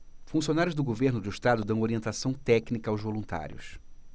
funcionários do governo do estado dão orientação técnica aos voluntários